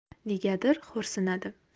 negadir xo'rsinadi